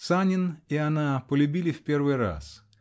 Санин и она -- полюбили в первый раз